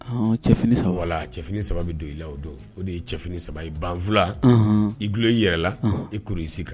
Cɛf saba wala cɛfini saba bɛ don i la o don o de ye cɛf saba i banfula i tulolo i yɛrɛ la i k isi kan